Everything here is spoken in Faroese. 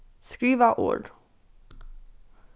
skriva orð